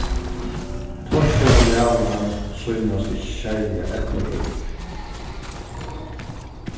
torkil og malan sýnast ikki serliga eydnurík